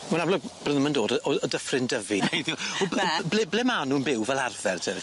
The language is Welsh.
Mae'n amlwg bo' nw'm yn dod o- o- o dyffryn Dyfi. Ble ble ma' nw'n byw fel arfer tybed ti?